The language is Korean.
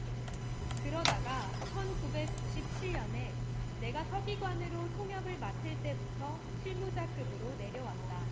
그러다가 천 구백 구십 칠 년에 내가 서기관으로 통역을 맡을 때부터 실무자급으로 내려왔다